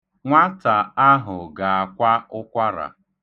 Nwata ahụ ga-akwa ụkwara.